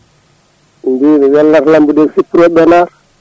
ɓe mbi welnata lambba de ko sippiroɓe naata